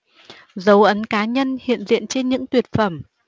dấu ấn cá nhân hiện diện trên những tuyệt phẩm